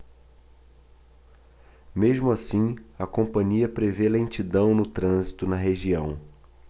mesmo assim a companhia prevê lentidão no trânsito na região